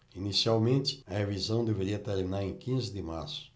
inicialmente a revisão deveria terminar em quinze de março